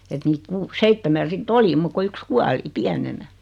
että niitä - seitsemän sitten oli muuta kuin yksi kuoli pienenä